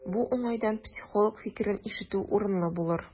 Бу уңайдан психолог фикерен ишетү урынлы булыр.